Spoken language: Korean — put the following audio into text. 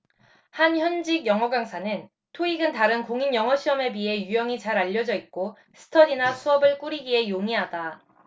한 현직 영어강사는 토익은 다른 공인영어시험에 비해 유형이 잘 알려져 있고 스터디나 수업을 꾸리기에 용이하다